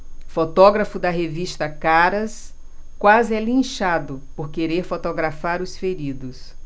fotógrafo da revista caras quase é linchado por querer fotografar os feridos